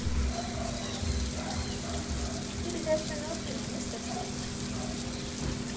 передача норкина место встречи